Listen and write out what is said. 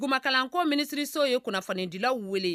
Duguma kalanko ministre so ye kunnafonidilaw wele.